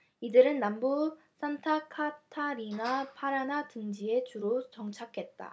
이들은 남부 산타카타리나 파라나 등지에 주로 정착했다